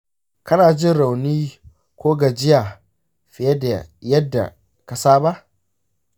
kana jin rauni ko gajiya fiye da yadda ka saba?